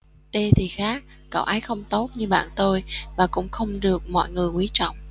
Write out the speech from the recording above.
t thì khác cậu ấy không tốt như bạn tôi và cũng không được mọi người quý trọng